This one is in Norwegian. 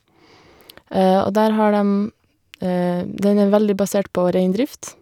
Og der har dem den er veldig basert på reindrift.